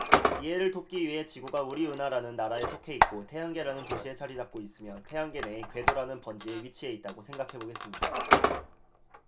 이해를 돕기 위해 지구가 우리 은하라는 나라에 속해 있고 태양계라는 도시에 자리 잡고 있으며 태양계 내의 궤도라는 번지에 위치해 있다고 생각해 보겠습니다